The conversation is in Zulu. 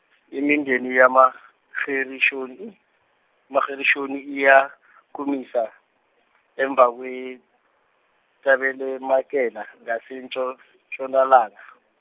imindeni yamaGereshoni, Magerishoni iyakumisa emva kweTabemakele ngasentsho- Ntshonalanga.